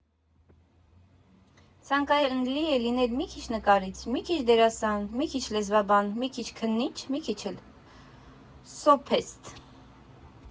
Ցանկալի է լինել մի քիչ նկարիչ, մի քիչ դերասան, մի քիչ լեզվաբան, մի քիչ քննիչ, մի քիչ էլ՝ սոփեստ։